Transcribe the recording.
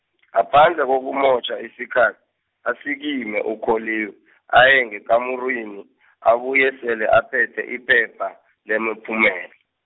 ngaphandle kokumotjha isikhathi, asikime uKholiwe , aye ngekamurini , abuye sele aphethe iphepha, lemiphumela.